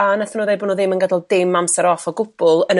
a nath y n'w ddeud bo' n'w ddim yn gada'l dim amser off o' gwbl yn y